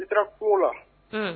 I kungo la